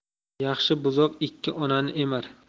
yaxshi buzoq ikki onani emar